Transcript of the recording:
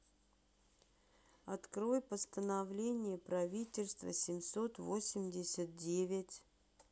открой постановление правительства семьсот восемьдесят девять